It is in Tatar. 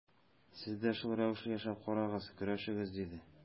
Сез дә шул рәвешле яшәп карагыз, көрәшегез, диде.